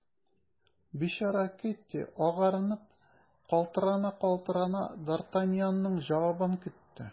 Бичара Кэтти, агарынып, калтырана-калтырана, д’Артаньянның җавабын көтте.